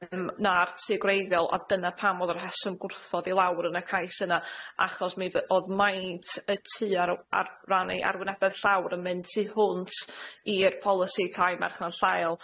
yym na'r tŷ gwreiddiol, a dyna pam o'dd y rheswm gwrthod i lawr yn y cais yna achos mi fy- o'dd maint y tŷ ar y- ar ran ei arwynebedd llawr yn mynd tu hwnt i'r polisi tai marchnad llaiol.